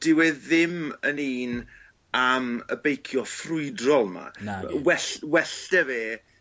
dyw e ddim yn un am y beicio ffrwydrol 'ma. Nadi. Well well 'da fe